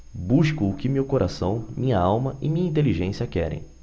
busco o que meu coração minha alma e minha inteligência querem